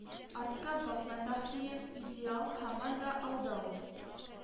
Артка бакма, даһием, идеал һаман да алда ул;